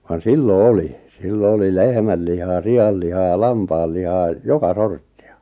vaan silloin oli silloin oli lehmän lihaa sian lihaa lampaan lihaa joka sorttia